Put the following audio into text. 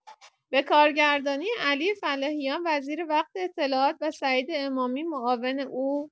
به کارگردانی علی فلاحیان وزیر وقت اطلاعات و سعید امامی معاون او